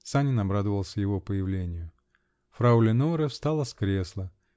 Санин обрадовался его появлению. Фрау Леноре встала с кресла.